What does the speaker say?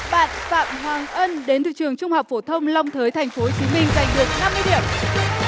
bạn phạm hoàng ân đến từ trường trung học phổ thông long thới thành phố hồ chí minh giành được năm mươi điểm